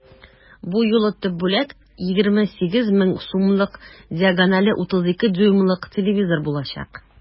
Бу юлы төп бүләк 28 мең сумлык диагонале 32 дюймлык телевизор булачак.